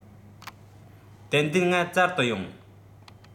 ཏན ཏན ང བཙལ དུ ཡོང